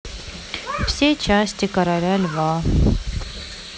все части короля льва